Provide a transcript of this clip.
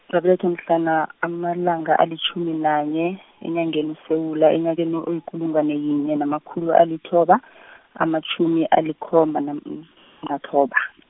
ngabelethwa mhlana amalanga alitjhumi nanye, enyangeni uSewula enyakeni oyikulungwane yinye namakhulu alithoba , amatjhumi alikhomba nam- , nathoba.